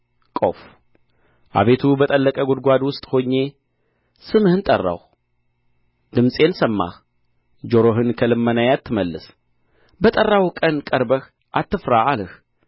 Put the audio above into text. ቆፍ አቤቱ በጠለቀ ጕድጓድ ውስጥ ሆኜ ስምህን ጠራሁ ድምፄን ሰማህ ጆሮህን ከልመናዬ አትመልስ በጠራሁህ ቀን ቀርበህ አትፍራ አልህ